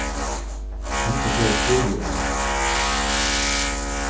kann tað gerast bíligari